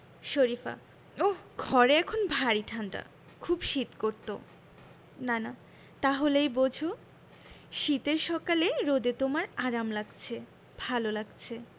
শরিফা ওহ ঘরে এখন ভারি ঠাণ্ডা খুব শীত করত নানা তা হলেই বোঝ শীতের সকালে রোদে তোমার আরাম লাগছে ভালো লাগছে